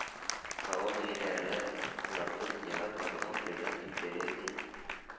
Колонияләре ярты дөньяга таралган британ империясен